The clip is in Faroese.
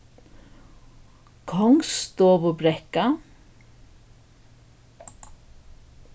kongsstovubrekka